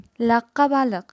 laqqa baliq